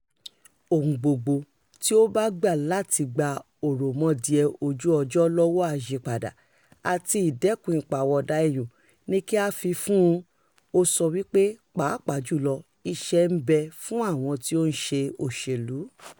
Ohun gbogbo tí ó bá gbà láti gba òròmọdìẹ ojú-ọjọ́ lọ́wọ́ àyípadà àti ìdẹ́kun ìpàwọ̀dà iyùn ni kí á fi fún un, ó sọ wípé, pàápàá jù lọ "iṣẹ́ ń bẹ" fún àwọn tí ó ń ṣe òṣèlú: